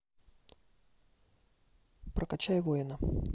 прокачай воина